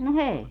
no ei